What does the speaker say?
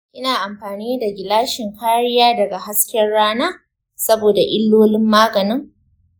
kina amfani da gilashin kariya daga hasken rana saboda illolin maganin?